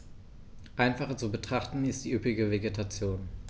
Einfacher zu betrachten ist die üppige Vegetation.